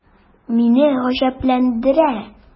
Мине гаҗәпләндерә: